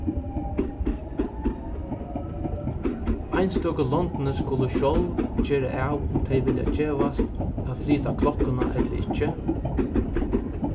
einstøku londini skulu sjálv gera av um tey vilja gevast at flyta klokkuna ella ikki